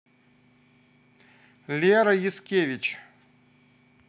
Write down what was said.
лера яскевич